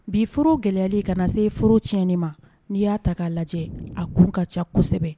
Bi foro gɛlɛyali ka na se foro tiɲɛni ma n'i y'a ta k'a lajɛ a kun ka ca kosɛbɛ